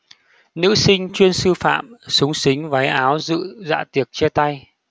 nữ sinh chuyên sư phạm xúng xính váy áo dự dạ tiệc chia tay